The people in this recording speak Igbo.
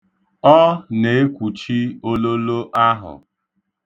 Ọ na-ekwuchi ololo ahụ.